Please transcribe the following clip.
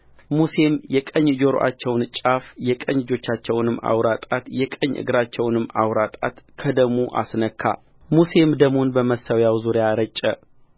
ሙሴም የቀኝ ጆሮአቸውን ጫፍ የቀን እጃቸውንም አውራ ጣት የቀኝ እግራቸውንም አውራ ጣት ከደሙ አስነካ ሙሴም ደሙን በመሠዊያው ዙሪያ ረጨ